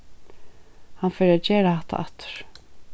hann fer at gera hatta aftur